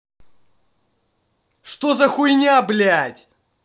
что за хуйня блядь